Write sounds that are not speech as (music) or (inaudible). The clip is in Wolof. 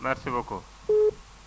merci beaucoup (noise)